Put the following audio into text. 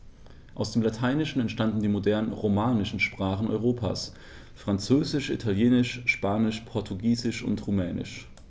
Aus dem Lateinischen entstanden die modernen „romanischen“ Sprachen Europas: Französisch, Italienisch, Spanisch, Portugiesisch und Rumänisch.